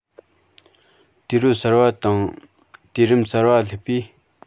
དུས རབས གསར པ དང དུས རིམ གསར པར སླེབས པ